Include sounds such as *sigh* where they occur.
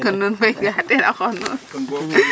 *laughs* kon nu mbey nga a tena qox nuun